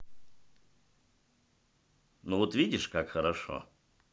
ну вот видишь как хорошо